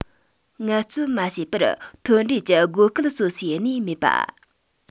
ངལ རྩོལ མ བྱས པར ཐོན འབྲས ཀྱི བགོ སྐལ རྩོད སའི གནས མེད པ